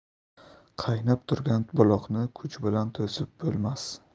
qaynab turgan buloqni kuch bilan to'sib bo'lmas